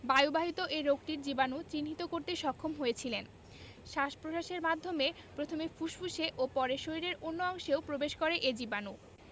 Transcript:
বায়ুবাহিত এ রোগটির জীবাণু চিহ্নিত করতে সক্ষম হয়েছিলেন শ্বাস প্রশ্বাসের মাধ্যমে প্রথমে ফুসফুসে ও পরে শরীরের অন্য অংশেও প্রবেশ করে এ জীবাণু